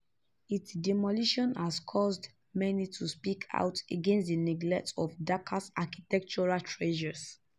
Its demolition has caused many to speak out against the neglect of Dhaka's architectural treasures.